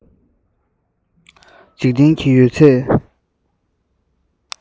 འཇིག རྟེན གྱི ཡོད ཚད